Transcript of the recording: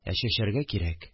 Ә чәчәргә кирәк